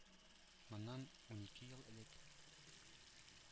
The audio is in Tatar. Моннан унике ел элек